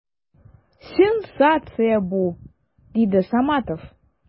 Сенсация бу! - диде Саматов.